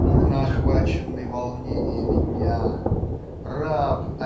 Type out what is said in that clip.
Бурно охваченный волнениями дня раб